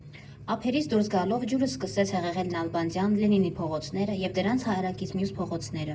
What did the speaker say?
Ափերից դուրս գալով՝ ջուրն սկսեց հեղեղել Նալբանդյան, Լենինի փողոցները և դրանց հարակից մյուս փողոցները։